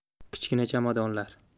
kichkina chamadonlar